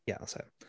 Yeah that's it.